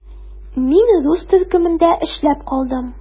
Мин рус төркемендә эшләп калдым.